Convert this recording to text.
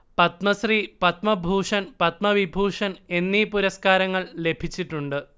പത്മശ്രീ പത്മഭൂഷൺ പത്മ വിഭൂഷൺ എന്നീ പുരസ്കാരങ്ങൾ ലഭിച്ചിട്ടുണ്ട്